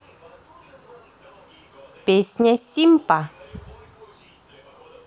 песня симпа